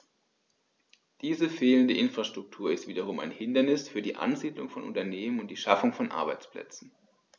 Diese fehlende Infrastruktur ist wiederum ein Hindernis für die Ansiedlung von Unternehmen und die Schaffung von Arbeitsplätzen.